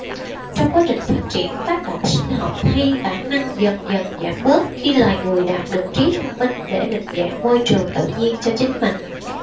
trong quá trình phát triển tác động sinh học hay bản năng dần dần giảm bớt khi loài người đạt được trí thông minh để định dạng môi trường tự nhiên cho chính mình